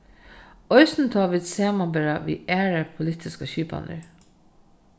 eisini tá vit samanbera við aðrar politiskar skipanir